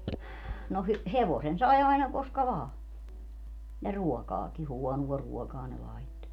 no - hevosen sai aina koska vain ja ruokaakin huonoa ruokaa ne laittoi